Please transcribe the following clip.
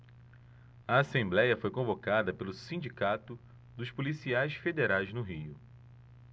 a assembléia foi convocada pelo sindicato dos policiais federais no rio